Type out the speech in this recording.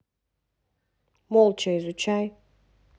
молча изучай